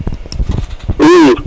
i